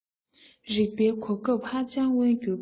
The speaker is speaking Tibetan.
རེག པའི གོ སྐབས ཧ ཅང དབེན འགྱུར པས